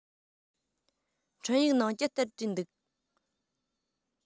འཕྲིན ཡིག ནང ཅི ལྟར བྲིས འདུག